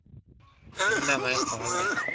indamay qoldi